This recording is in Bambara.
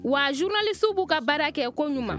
wa zurunalisitiw b'u ka baara kɛ koɲuman